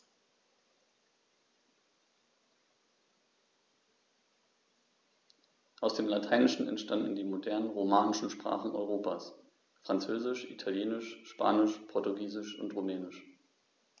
Aus dem Lateinischen entstanden die modernen „romanischen“ Sprachen Europas: Französisch, Italienisch, Spanisch, Portugiesisch und Rumänisch.